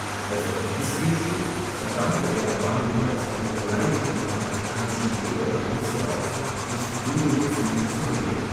Als auch dies fehlschlug, verdammte er Bambi als eine Beleidigung der amerikanischen Jäger und rief sie auf, sich gegen den Film zu wehren